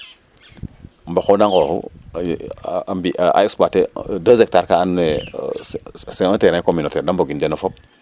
mboq o da nqooxu i a mbi' a exploité 2 hectars ka andoona yee c' est un terrain communautaire de mbogin den o fop